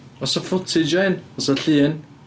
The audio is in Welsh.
Oes 'na footage o hyn, oes 'na llun?